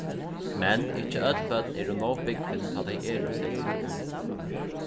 men ikki øll børn eru nóg búgvin tá tey eru seks ár